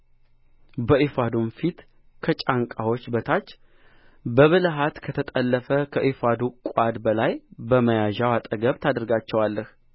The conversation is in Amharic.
በኤፉዱም ፊት ከጫንቃዎች በታች በብልሃት ከተጠለፈ ከኤፉዱ ቋድ በላይ በመያዣው አጠገብ ታደርጋቸዋለህ